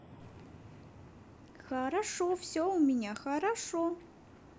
хорошо все у меня хорошо